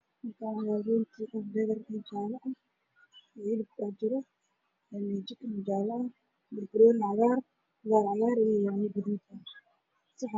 Halkaan waxaa ka muuqdo saxan cadaan oo ay ku jiraan rooti dhexda qudaar ugu jiro